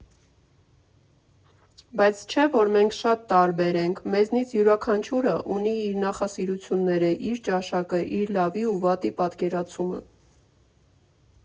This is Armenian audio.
Բայց չէ՞ որ մենք շատ տարբեր ենք, մեզնից յուրաքանչյուրն ունի իր նախասիրությունները, իր ճաշակը, իր լավի ու վատի պատկերացումը։